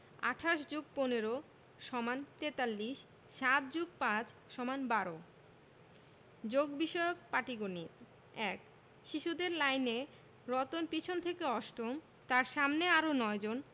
২৮ + ১৫ = ৪৩ ৭+৫ = ১২ যোগ বিষয়ক পাটিগনিতঃ ১ শিশুদের লাইনে রতন পিছন থেকে অষ্টম তার সামনে আরও ৯ জন